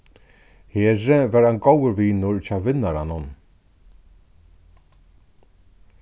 heri var ein góður vinur hjá vinnaranum